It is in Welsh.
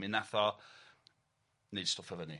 Mi nath o neud stwff o fyny .